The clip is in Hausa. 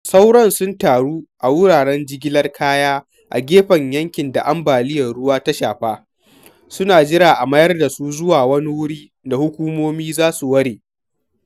Sauran sun taru a wuraren jigilar kaya a gefen yankin da ambaliyar ruwa ta shafa, suna jiran a mayar da su zuwa wani wuri da hukumomi za su ware